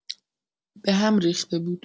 بهم ریخته بود.